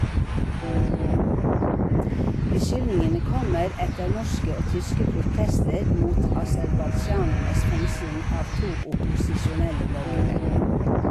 Beskyldningene kommer etter norske og tyske protester mot aserbajdsjanernes fengsling av to opposisjonelle bloggere.